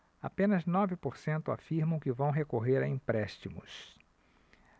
apenas nove por cento afirmam que vão recorrer a empréstimos